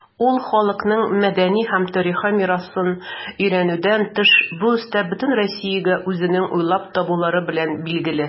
Үз халкының мәдәни һәм тарихи мирасын өйрәнүдән тыш, бу оста бөтен Россиягә үзенең уйлап табулары белән билгеле.